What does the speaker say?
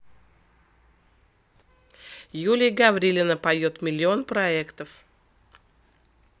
юлия гаврилина поет миллион проектов